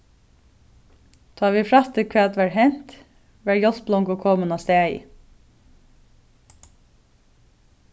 tá vit frættu hvat var hent var hjálp longu komin á staðið